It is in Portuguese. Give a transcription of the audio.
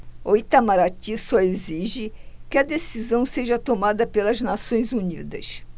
o itamaraty só exige que a decisão seja tomada pelas nações unidas